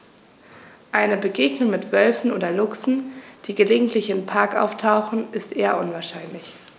Eine Begegnung mit Wölfen oder Luchsen, die gelegentlich im Park auftauchen, ist eher unwahrscheinlich.